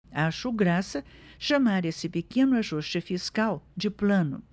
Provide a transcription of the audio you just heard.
acho graça chamar esse pequeno ajuste fiscal de plano